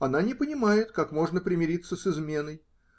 Она не понимает, как можно примириться с изменой.